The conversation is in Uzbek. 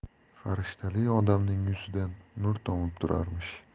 farishtali odamning yuzidan nur tomib turarmish